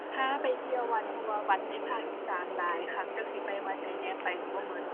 พาไปเที่ยววัด เพราะว่าวัดในภาคอีสานหลายคัก จักสิไปวัดใดแหน่ ไปก็บ่ก็